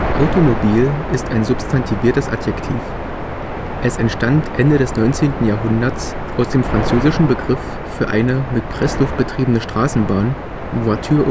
Automobil ist ein substantiviertes Adjektiv. Es entstand Ende des 19. Jahrhunderts aus dem französischen Begriff für eine mit Pressluft betriebene Straßenbahn: voiture automobile